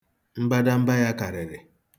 Mbadamba ya karịrị.